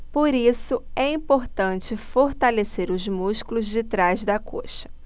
por isso é importante fortalecer os músculos de trás da coxa